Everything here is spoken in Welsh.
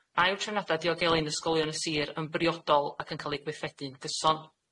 a yw trefniada diogelu'n ysgolion y sir yn briodol ac yn ca'l eu gweithredu'n gyson?